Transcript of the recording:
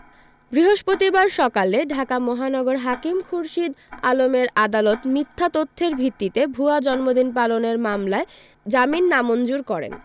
বৃহস্পতিবার সকালে ঢাকা মহানগর হাকিম খুরশীদ আলমের আদালত মিথ্যা তথ্যের ভিত্তিতে ভুয়া জন্মদিন পালনের মামলায় জামিন নামঞ্জুর করেন